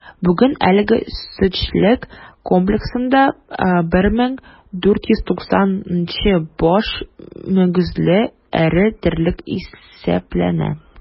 Бүген әлеге сөтчелек комплексында 1490 баш мөгезле эре терлек исәпләнә.